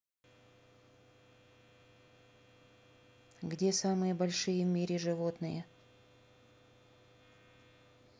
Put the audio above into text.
где самые большие в мире животные